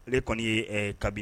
Ale kɔni ye kabila